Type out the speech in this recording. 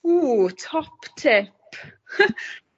Ww, top tip